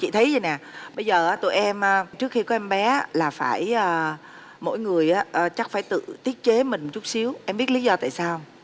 chị thấy vậy nè bây giờ tụi em trước khi có em bé là phải à mỗi người chắc phải chắc phải tự tiết chế mình chút xíu em biết lý do tại sao